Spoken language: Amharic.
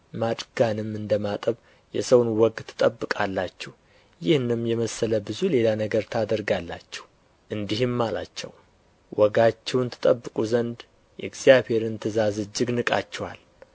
ማድጋንም እንደ ማጠብ የሰውን ወግ ትጠብቃላችሁ ይህንም የመሰለ ብዙ ሌላ ነገር ታደርጋላችሁ እንዲህም አላቸው ወጋችሁን ትጠብቁ ዘንድ የእግዚአብሔርን ትእዛዝ እጅግ ንቃችኋል